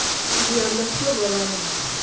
Зыяндашлы бала ул...